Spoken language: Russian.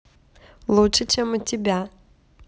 лучше чем у тебя